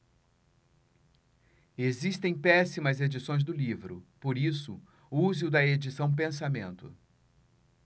existem péssimas edições do livro por isso use o da edição pensamento